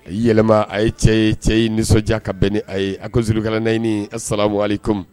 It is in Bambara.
A yɛlɛma a ye cɛ ye cɛ ye nisɔndiya ka bɛn ni a ye a ko surukalanenɲini sarara wale co